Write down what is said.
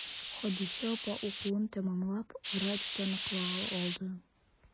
Хәдичә апа укуын тәмамлап, врач таныклыгы алды.